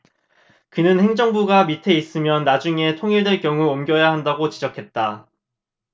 그는 행정부가 밑에 있으면 나중에 통일될 경우 옮겨야 한다고 지적했다